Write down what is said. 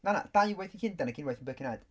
Na na dau waith yn Llundain ac unwaith yn Birkenhead.